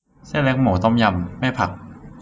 เส้นเล็กหมูต้มยำไม่ผัก